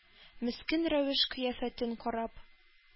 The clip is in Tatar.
Мескен рәвеш-кыяфәтен карап,